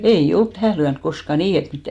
ei ole tähän lyönyt koskaan niin että mitään